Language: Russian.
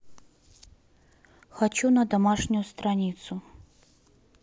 хочу на домашнюю страницу